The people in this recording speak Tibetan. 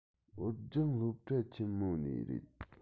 བོད ལྗོངས སློབ གྲྭ ཆེན མོ ནས རེད